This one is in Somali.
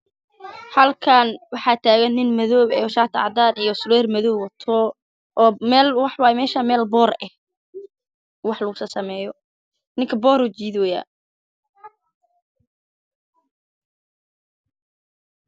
Halkaan waxaa taagan nin madow ah